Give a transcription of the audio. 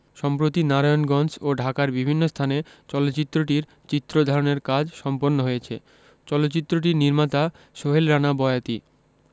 সম্প্রতি নারায়ণগঞ্জ ও ঢাকার বিভিন্ন স্থানে চলচ্চিত্রটির চিত্র ধারণের কাজ সম্পন্ন হয়েছে চলচ্চিত্রটির নির্মাতা সোহেল রানা বয়াতি